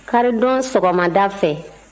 karidon sɔgɔmada fɛ